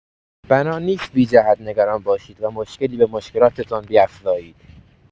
بنا نیست بی‌جهت نگران باشید و مشکلی به مشکلاتتان بیفزایید.